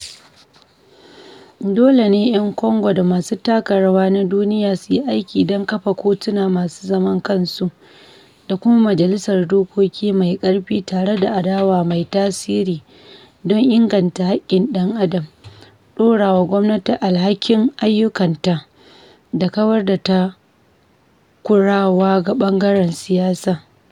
Dole ne ‘yan Congo da masu taka rawa na duniya su yi aiki don kafa kotuna masu zaman kansu, da kuma majalisar dokoki mai ƙarfi tare da adawa mai tasiri don inganta haƙƙin ɗan adam, ɗorawa gwamnati alhakin ayyukanta, da kawar da takurawa ga ɓangaren siyasa.